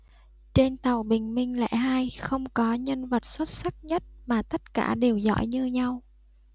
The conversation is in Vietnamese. trên tàu bình minh lẻ hai không có nhân vật xuất sắc nhất mà tất cả đều giỏi như nhau